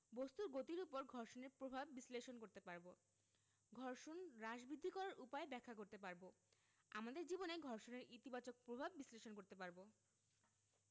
বস্তুর গতির উপর ঘর্ষণের প্রভাব বিশ্লেষণ করতে পারব ঘর্ষণ হ্রাস বৃদ্ধি করার উপায় ব্যাখ্যা করতে পারব আমাদের জীবনে ঘর্ষণের ইতিবাচক প্রভাব বিশ্লেষণ করতে পারব